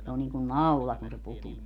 se on niin kuin naula kun se putoaa